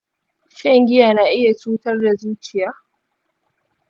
shan giya na iya cutar da zuciya?